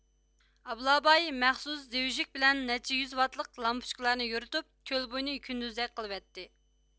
ئابلاباي مەخسۇس دىۋىژۈك بىلەن نەچچە يۈز ۋاتلىق لامپۇچكىلارنى يورۇتۇپ كۆل بويىنى كۈندۈزدەك قىلىۋەتتى